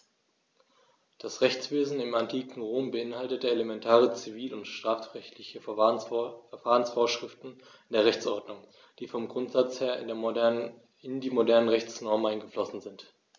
Das Rechtswesen im antiken Rom beinhaltete elementare zivil- und strafrechtliche Verfahrensvorschriften in der Rechtsordnung, die vom Grundsatz her in die modernen Rechtsnormen eingeflossen sind.